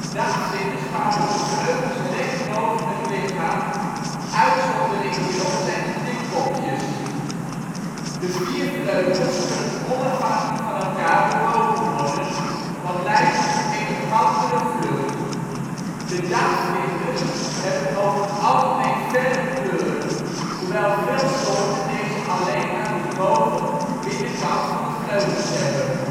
Dagvlinders vouwen hun vleugels recht boven het lichaam, uitzondering hierop zijn de dikkopjes. De vier vleugels kunnen onafhankelijk van elkaar bewogen worden, wat leidt tot een elegantere vlucht. Dagvlinders hebben over het algemeen felle kleuren, hoewel veel soorten deze alleen aan de boven - (binnen -) kant van de vleugels hebben